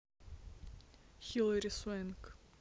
хилари суэнк